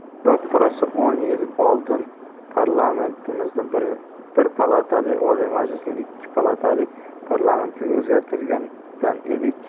roppa rosa o'n yil oldin parlamentimizni bir palatali oliy majlisimizni ikki palatali parlamentga o'zgartirgan edik